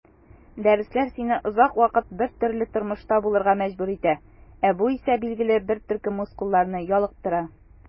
Дәресләр сине озак вакыт бертөрле торышта булырга мәҗбүр итә, ә бу исә билгеле бер төркем мускулларны ялыктыра.